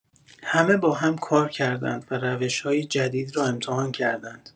همه با هم کار کردند و روش‌های جدید را امتحان کردند.